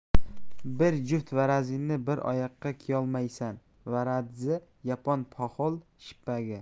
bir juft varadzini bir oyoqqa kiyolmaysan varadzi yapon poxol shippagi